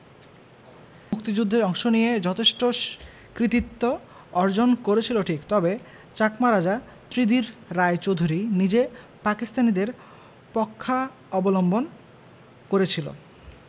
মুক্তিযুদ্ধে অংশ নিয়ে যথেষ্ট কৃতিত্ব অর্জন করেছিল ঠিক তবে চাকমা রাজা ত্রিদির রায় চৌধুরী নিজে পাকিস্তানীদের পক্ষাবলম্বন করেছিল